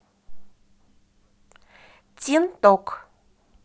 тин ток